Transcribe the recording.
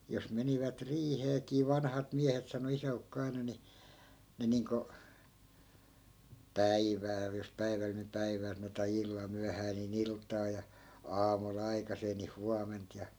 jos menivät riiheenkin vanhat miehet sanoi isäukko aina niin ne niin kuin päivällä jos päivällä niin päivää sanoi tai illalla myöhään niin iltaa ja aamulla aikaiseen niin huomenta ja